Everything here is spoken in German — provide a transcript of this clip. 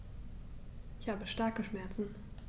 Ich habe starke Schmerzen.